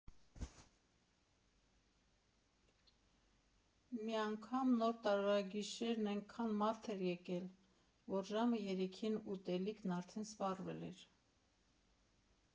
Մի անգամ Նոր տարվա գիշերն էնքան մարդ էր եկել, որ ժամը երեքին ուտելիքն արդեն սպառվել էր։